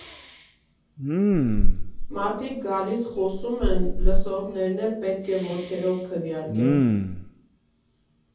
Մարդիկ գալիս խոսում են, լսողներն էլ պետք է ոտքերով քվեարկեն.